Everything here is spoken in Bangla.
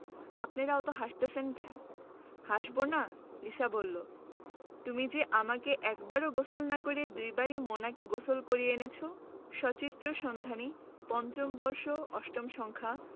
আপনেরা অত হাসতাসেন ক্যান হাসবোনা লিসা বললো তুমি যে আমাকে একবারও গোসল না করিয়ে দুবারই মোনাকে গোসল করিয়ে এনেছো সচিত্র সন্ধানী ৫ম বর্ষ ৮ম সংখ্যা